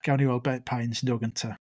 Gawn ni weld pa un sy'n dod gyntaf.